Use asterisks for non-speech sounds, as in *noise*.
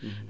*hesitation* *hesitation*